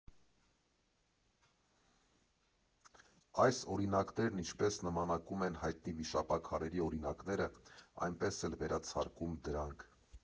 Այս օրինակներն ինչպես նմանակում են հայտնի վիշապաքարերի օրինակները, այնպես էլ վերացարկում դրանք։